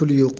ga pul yo'q